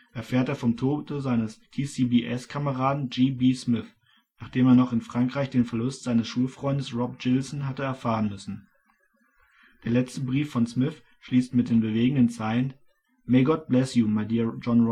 erfährt er vom Tode seines T.-C.-B.-S.-Kameraden G. B. Smith, nachdem er noch in Frankreich den Verlust seines Schulfreundes Rob Gilson hatte erfahren müssen. Der letzte Brief von Smith schließt mit den bewegenden Zeilen: » May God bless you, my dear John Ronald